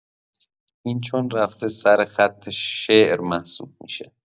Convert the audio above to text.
این چون رفته سر خط شعر محسوب می‌شه.